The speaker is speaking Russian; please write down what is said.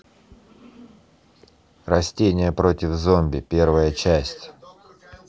растения против зомби первая часть